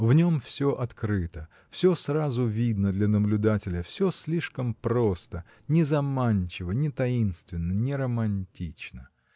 В нем всё открыто, всё сразу видно для наблюдателя, всё слишком просто, не заманчиво, не таинственно, не романтично.